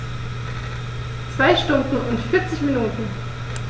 2 Stunden und 40 Minuten